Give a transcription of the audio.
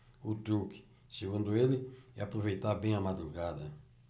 o truque segundo ele é aproveitar bem a madrugada